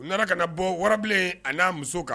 U nara kana bɔɔ warabilen an'a muso kan